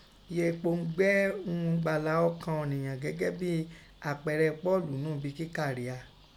Èpoungbe ún ẹ̀gbala okan ọ̀niyan gege bin àpẹẹrẹ Pọ́ọ̀lù ńnu ibi kika ria